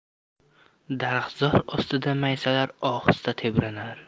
daraxtzor ostida maysalar ohista tebranar